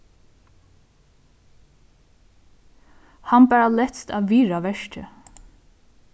hann bara letst at virða verkið